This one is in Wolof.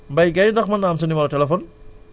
Mbaye Gaye ndax mën naa am sa numéro téléphone